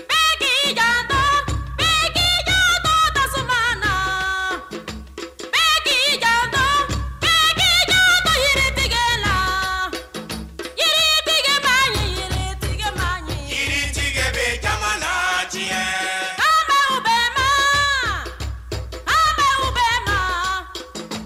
Jigi ja' ka sokɛ la m ja ba bɛ yiritigi la jtigiba hinɛtigi ma nk yiri jɛgɛ bɛ ja la diɲɛ faama bɛ ba faama bɛ la